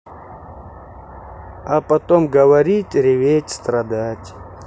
а потом говорить реветь страдать